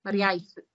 Ma'r iaith